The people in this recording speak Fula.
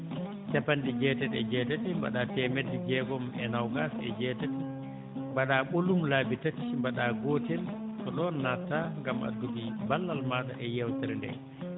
cappanɗe jeetati e jeetati teemedde jeegom e noogaas e jeetati mbaɗaa ɓolum laabi tati mbaɗaa gootel ko ɗon natataa ngam addude ballal maaɗa e yeewtere ndee